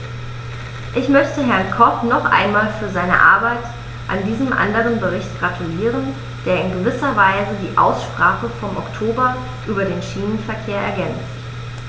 Ich möchte Herrn Koch noch einmal für seine Arbeit an diesem anderen Bericht gratulieren, der in gewisser Weise die Aussprache vom Oktober über den Schienenverkehr ergänzt.